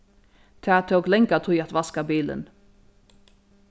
tað tók langa tíð at vaska bilin